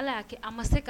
Ala y'a kɛ a ma se ka